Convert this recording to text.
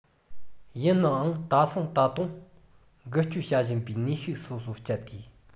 ཡིན ནའང དེང སང ད དུང འགུལ སྐྱོད བྱ བཞིན པའི ནུས ཤུགས སོ སོ སྤྱད དེ